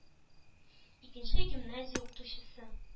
Икенче гимназия укучысы.